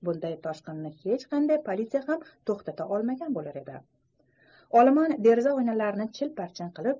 bunday toshqinni hech qanday politsiya ham to'xtata olmagan bo'lur edi olomon deraza oynalarni chilparchin qilib